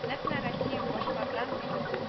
Нәкъ менә россия башкарган бит бу